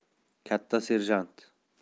katta serjant